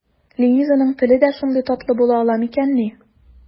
Ленизаның теле дә шундый татлы була ала микәнни?